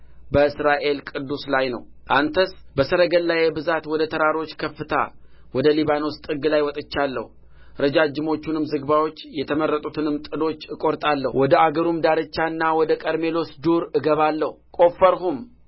በእስራኤል ቅዱስ ላይ ነው አንተስ በሰረገላዬ ብዛት ወደ ተራሮች ከፍታ ወደ ሊባኖስ ጥግ ላይ ወጥቻለሁ ረጃጅሞቹንም ዝግባዎች የተመረጡትንም ጥዶች እቈርጣለሁ ወደ አገሩም ዳርቻና ወደ ቀርሜሎስ ዱር እገባለሁ ቈፈርሁም